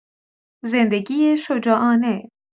زندگی شجاعانه